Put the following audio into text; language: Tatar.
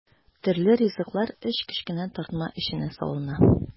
Төрле ризыклар өч кечкенә тартма эченә салына.